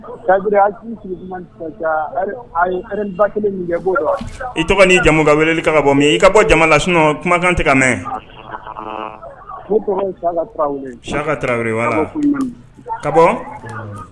I tɔgɔ ni jamumu ka weleli ka bɔ min i ka bɔ jama las kumakan tɛ ka mɛn ka bɔ